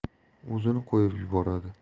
o'zini qo'yib yuboradi